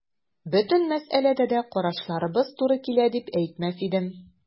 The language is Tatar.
Бөтен мәсьәләдә дә карашларыбыз туры килә дип әйтмәс идем.